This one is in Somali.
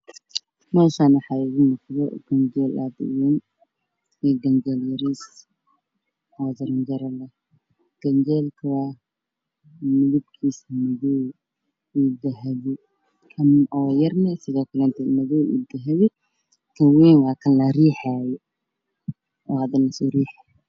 Halkaan waxaa yaalo sariir yar oo gaduud ah iyo kursi kalarkisu yahay cadaan